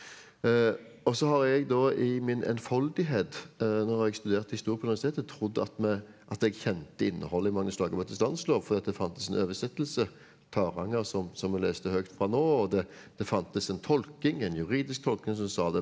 og så har jeg da i min enfoldighet nå har jeg studert historie på universitetet trodd at vi at jeg kjente innholdet i Magnus Lagabøtes Landslov fordi at det fantes en oversettelse Taranger som som vi leste høyt fra nå og det det fantes en tolkning en juridisk tolkning som sa det.